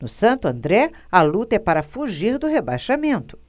no santo andré a luta é para fugir do rebaixamento